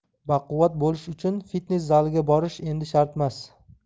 baquvvat bo'lish uchun fitness zaliga borish endi shart emas